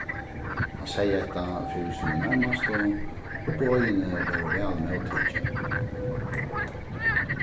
hann segði hetta fyri sínum nærmastu og boðini vóru væl móttikin